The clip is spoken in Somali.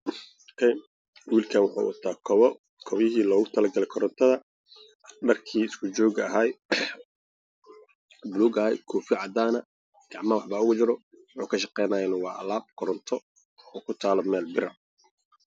Waxaa ii muuqda nin meel fadhiya oo samaynaya matoor midabkiis yahay midow ninka waxa uu wataa dhar buluug ah koofi jaalla ah